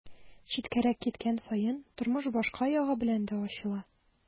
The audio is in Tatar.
Читкәрәк киткән саен тормыш башка ягы белән дә ачыла.